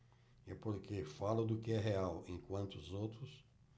é porque falo do que é real enquanto os outros